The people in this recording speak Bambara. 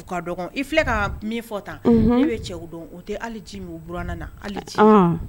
Filɛ ka min fɔ tan e bɛ cɛw dɔn o tɛ haliji ma buran na haliji